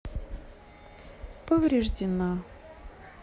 повреждена